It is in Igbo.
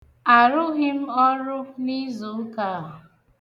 Arụghị m ọrụ n'izụụka a.